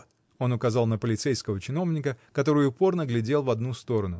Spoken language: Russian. — Он указал на полицейского чиновника, который упорно глядел в одну сторону.